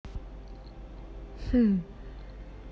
хм